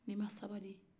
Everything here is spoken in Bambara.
n'i ma sabali